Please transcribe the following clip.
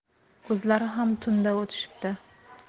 o'zlari ham tunda o'tishibdi